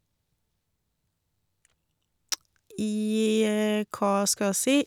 i Hva skal jeg si?